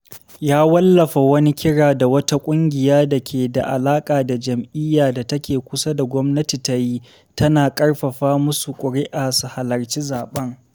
Ya wallafa wani kira da wata ƙungiya da ke da alaƙa da jam’iyya da take kusa da gwamnati ta yi, tana ƙarfafa masu ƙuri’a su halarci zaɓen.